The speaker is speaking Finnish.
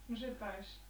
no se taisi